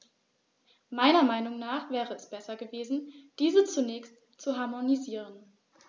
Meiner Meinung nach wäre es besser gewesen, diese zunächst zu harmonisieren.